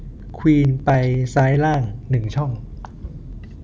ควีนไปซ้ายล่างหนึ่งช่อง